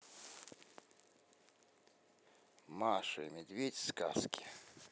маша и медведь сказки